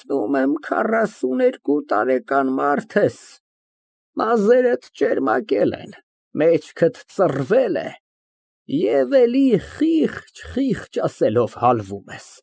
Տեսնում եմ քառասուներկու տարեկան մարդ ես, մազերդ ճերմակել են, մեջքդ ծռվել է և էլի, խիղճ֊խիղճ ասելով, հալվում ես։